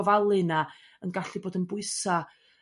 gofalu 'na yn gallu bod yn bwysa'